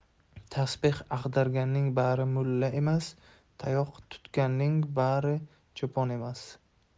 tasbeh ag'darganning bari mulla emas tayoq tutganning bail cho'pon emas